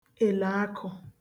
èlòakụ̄